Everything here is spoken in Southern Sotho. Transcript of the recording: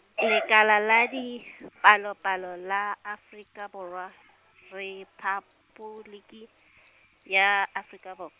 Lekala la Dipalopalo la Afrika Borwa , Rephaboliki , ya Afrika Bo-.